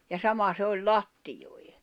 ja sama se oli lattioille